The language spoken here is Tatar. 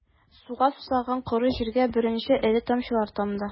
Суга сусаган коры җиргә беренче эре тамчылар тамды...